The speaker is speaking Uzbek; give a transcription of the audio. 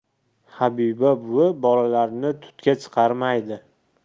habiba buvi bolalarni tutga chiqarmaydi